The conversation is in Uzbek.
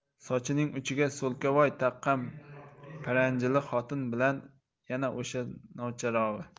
sochining uchiga so'lkavoy taqqan paranjili xotin bilan yana o'sha novcharog'i